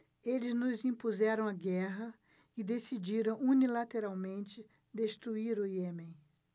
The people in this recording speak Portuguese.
eles nos impuseram a guerra e decidiram unilateralmente destruir o iêmen